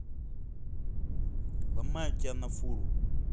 ломают тебя на фуру